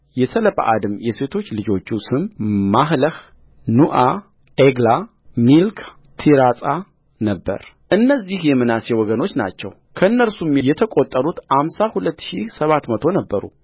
የሰለጰዓድም የሴቶች ልጆቹ ስም ማህለህ ኑዓ ዔግላ ሚልካ ቲርጻ ነበረእነዚህ የምናሴ ወገኖች ናቸው ከእነርሱም የተቈጠሩት አምሳ ሁለት ሺህ ሰባት መቶ ነበሩ